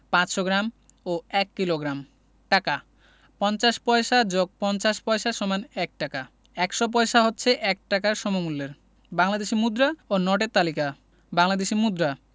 ৫০০ gram ও ১ kilogram taka ৫০ paisa + ৫০ paisa = ১ taka ১০০ paisa হচ্ছে ১ টাকার সমমূল্যের বাংলাদেশি মুদ্রা ও নোটের তালিকাঃ বাংলাদেশি মুদ্রাঃ